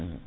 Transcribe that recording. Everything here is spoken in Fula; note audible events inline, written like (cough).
(hesitation) (hesitation)